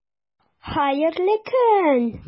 Хәерле көн!